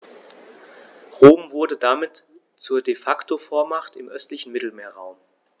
Rom wurde damit zur ‚De-Facto-Vormacht‘ im östlichen Mittelmeerraum.